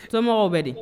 Somɔgɔw bɛ di